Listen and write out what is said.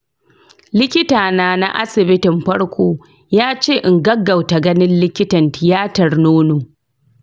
likitana na asibitin farko ya ce in gaggauta ganin likitan tiyatar nono.